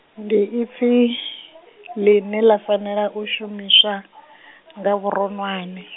ndi ipfi, ḽine ḽa fanela u shumiswa, nga vhuronwane.